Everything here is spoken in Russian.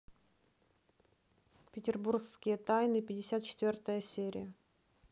петербургские тайны пятьдесят четвертая серия